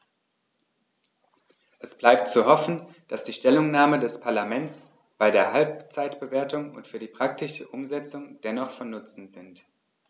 Es bleibt zu hoffen, dass die Stellungnahmen des Parlaments bei der Halbzeitbewertung und für die praktische Umsetzung dennoch von Nutzen sind.